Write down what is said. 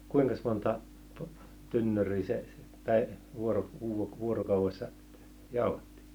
kuinkas monta tynnyriä se --- vuorokaudessa jauhatti